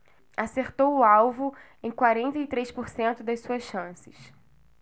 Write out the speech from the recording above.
acertou o alvo em quarenta e três por cento das suas chances